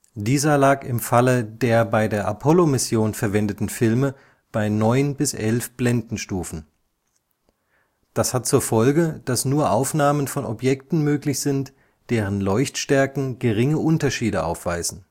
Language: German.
Dieser lag im Falle der bei der Apollo-Mission verwendeten Filme bei neun bis elf Blendenstufen. Das hat zur Folge, dass nur Aufnahmen von Objekten möglich sind, deren Leuchtstärken geringe Unterschiede aufweisen